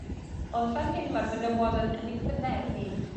Ond fan hyn ma'r menywod yn yn 'i thyneru,